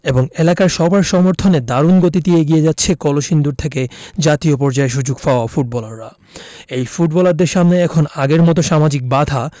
এবং এলাকার সবার সমর্থনে দারুণ গতিতে এগিয়ে যাচ্ছে কলসিন্দুর থেকে জাতীয় পর্যায়ে সুযোগ পাওয়া ফুটবলাররা এই ফুটবলারদের সামনে এখন আগের মতো সামাজিক বাধা